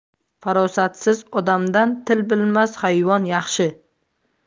farosatsiz odamdan til bilmas hayvon yaxshi